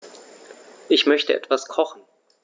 Ich möchte etwas kochen.